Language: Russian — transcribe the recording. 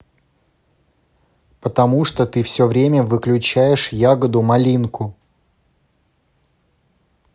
потому что ты все время выключаешь ягоду малинку